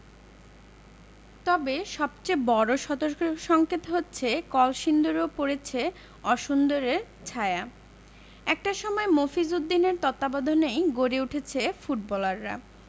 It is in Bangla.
তবে সবচেয়ে বড় সতর্কসংকেত হচ্ছে কলসিন্দুরেও পড়েছে অসুন্দরের ছায়া একটা সময় মফিজ উদ্দিনের তত্ত্বাবধানেই গড়ে উঠেছে ফুটবলাররা